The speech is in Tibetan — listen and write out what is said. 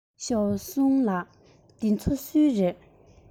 ཞའོ སུང ལགས འདི ཚོ སུའི རེད